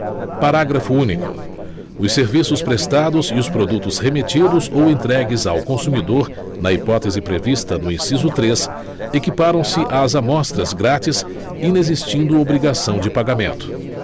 parágrafo único os serviços prestados e os produtos remetidos ou entregues ao consumidor na hipótese prevista no inciso três equiparam se às amostras grátis inexistindo obrigação de pagamento